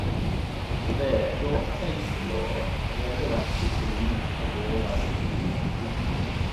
Og det da fikk jeg lyst til å regelrett skifte linje og gå over til lektorlinja.